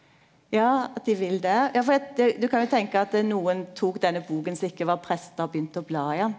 ja at dei vil det ja for at du kan jo tenke at nokon tok denne boka som ikkje var prestar og begynte å bla i han.